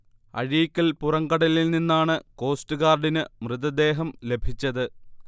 അഴീക്കൽ പുറംകടലിൽ നിന്നാണ് കോസ്റ്റ്ഗാർഡിന് മൃതദേഹം ലഭിച്ചത്